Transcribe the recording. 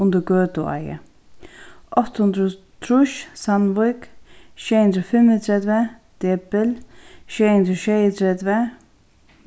undir gøtueiði átta hundrað og trýss sandvík sjey hundrað og fimmogtretivu depil sjey hundrað og sjeyogtretivu